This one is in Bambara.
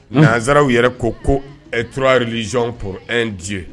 Nanzsaraw yɛrɛ ko kouralisonɔnp e nci ye